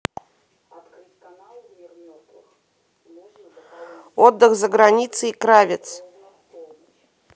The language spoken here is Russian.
отдых за границей кравец